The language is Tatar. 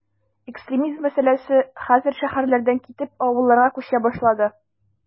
Экстремизм мәсьәләсе хәзер шәһәрләрдән китеп, авылларга “күчә” башлады.